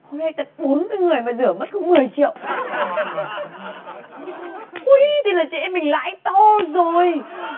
hôm nay tận bốn mươi người mà rửa mất có mười triệu úi thế là chị em mình lãi to rồi